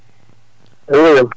a hiirii e jam